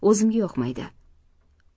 o'zimga yoqmaydi